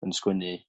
yn sgwennu